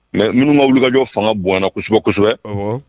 Mɛ minnuma wulikajɔ fanga bonna kosɛbɛ kosɛbɛ